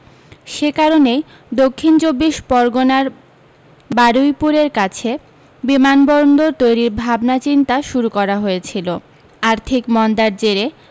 সে কারণেই দক্ষিণ চব্বিশ পরগনার বারুইপুরের কাছে বিমানবন্দর তৈরীর ভাবনা চিন্তা শুরু করা হয়েছিলো আর্থিক মন্দার জেরে